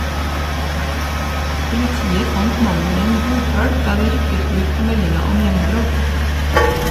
Politiet fant mannen i en blodpøl da de rykket ut på meldinga om gjeng-bråk.